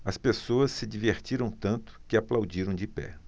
as pessoas se divertiram tanto que aplaudiram de pé